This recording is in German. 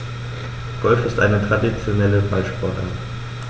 Golf ist eine traditionelle Ballsportart.